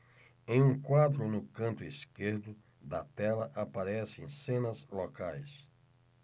em um quadro no canto esquerdo da tela aparecem cenas locais